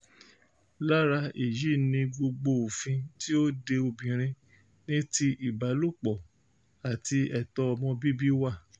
Lára èyí ni gbogbo òfin tí ó de obìnrin ní ti ìbálòpọ̀ àti ẹ̀tọ́ ọmọ bíbí wà.